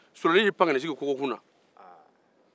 solonin y'i pan ka n'i sigi kogokun na